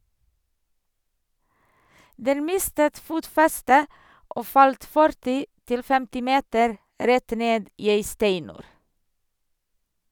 - Den mistet fotfestet og falt 40 -50 meter rett ned i ei steinur.